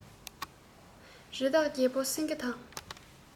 རི དྭགས རྒྱལ པོ སེང གེ དང